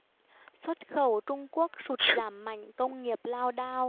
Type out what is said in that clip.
xuất khẩu trung quốc sụt giảm mạnh công nghiệp lao đao